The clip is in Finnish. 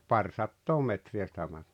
parisataa metriä sitä -